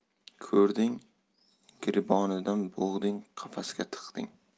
ko'rding giribonidan bo'g'ding qafasga tiqding